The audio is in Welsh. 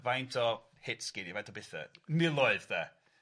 ...faint o hits gei di, faint o bethe, miloedd 'de.